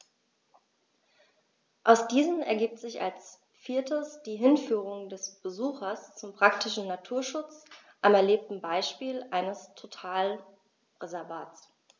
Aus diesen ergibt sich als viertes die Hinführung des Besuchers zum praktischen Naturschutz am erlebten Beispiel eines Totalreservats.